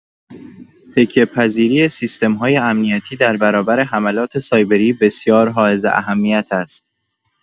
تکیه‌پذیری سیستم‌های امنیتی در برابر حملات سایبری بسیار حائز اهمیت است.